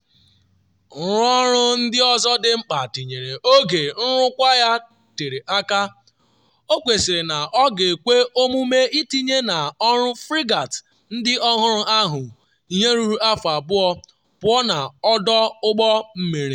Nrụọrụ ndị ọzọ dị mkpa tinyere oge nrụkwa ya tere aka - ọ kwesịrị na ọ ga-ekwe omume itinye n’ọrụ frigate ndị ọhụrụ ahụ ihe ruru afọ abụọ pụọ na ọdụ ụgbọ mmiri.